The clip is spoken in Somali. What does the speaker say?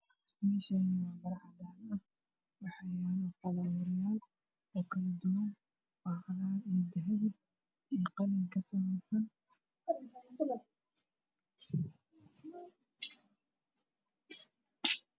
Meeshaani waa qol cadaan waxaa yaalo falawer kala duwan waa cagaar iyo dahabi qalin ka samaysan